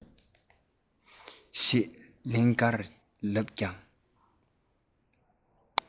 ཞེས ལན བརྒྱར ལབ ཀྱང